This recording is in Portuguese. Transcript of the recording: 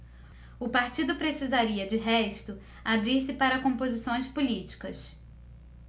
o partido precisaria de resto abrir-se para composições políticas